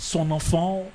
Sofɛn